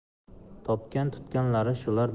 topgan tutganlari shular